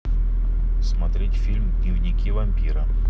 смотреть фильм дневники вампира